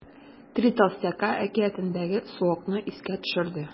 “три толстяка” әкиятендәге суокны искә төшерде.